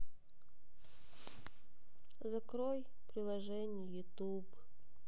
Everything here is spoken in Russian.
закрой приложение ютуб